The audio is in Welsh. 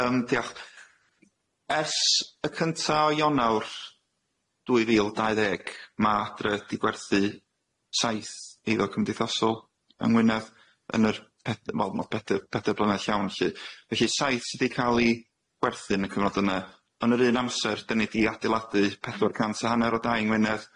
Yym diolch ers y cynta o Ionawr dwy fil dau ddeg ma' Adre di gwerthu saith eiddo cymdeithasol yng Ngwynedd yn yr ped- wel ma' peder peder blynedd llawn lly felly saith sy di ca'l i gwerthu yn y cyfnod yna. Yn yr un amser dyn ni di adeiladu pedwar cant a hanner o dau yng Ngwynedd.